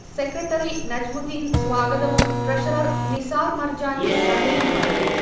secretary Najmudheen സ്വാഗതവും treasurer Nisar Marjan നന്ദിയും പറഞ്ഞു